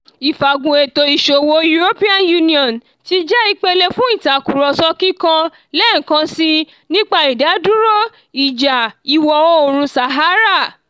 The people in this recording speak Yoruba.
Ìfàgùn ètò ìsòwò European Union (EU) ti jẹ́ ìpele fún ìtàkurọ̀sọ̀ kíkan lẹ́ẹ̀kansi nípa "ìdádúró" ìjà Ìwò Oòrùn Sahara